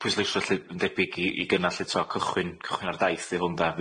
pwyleisho lly yn debyg i i gynnall eto cychwyn cychwyn ar daith di hwn 'de?